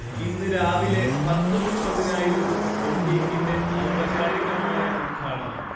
ഇന്ന് രാവിലെ പത്തുമുപ്പത്തി നായിരുന്നു ബൊട്ടിക്കിന്റെ ഔപചാരികമായ ഉദ്ഘാടനം